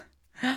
Ja.